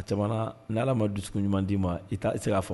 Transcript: A jamana ni ala ma dusu ɲuman d'i ma i i se'a fɔ